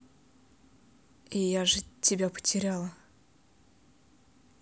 я же тебя потеряла